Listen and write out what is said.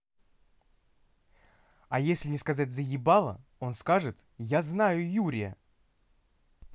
а если не сказать заебало он скажет я знаю юрия